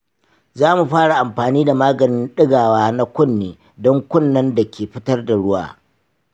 zamu fara amfani da maganin ɗigawa na kunne don kunnen da ke fitar da ruwa.